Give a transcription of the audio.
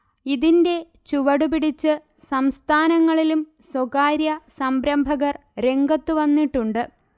ഇതിന്റെ ചുവടുപിടിച്ച് സംസ്ഥാനങ്ങളിലും സ്വകാര്യ സംരംഭകർ രംഗത്തു വന്നിട്ടുണ്ട്